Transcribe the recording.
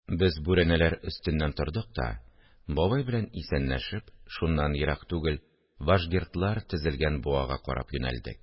Без бүрәнәләр өстеннән тордык та, бабай белән исәнләшеп, шуннан ерак түгел вашгердлар тезелгән буага карап юнәлдек.